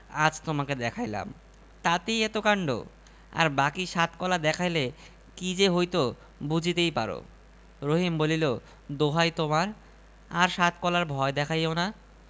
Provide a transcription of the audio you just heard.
তাই প্রকৃত মানুষ জ্ঞানের বাহন পুস্তক যোগাড় করার জন্য অকাতরে অর্থ ব্যয় করে একমাত্র বাঙলা দেশ ছাড়া